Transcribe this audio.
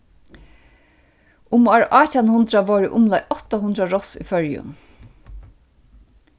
um ár átjan hundrað vóru umleið átta hundrað ross í føroyum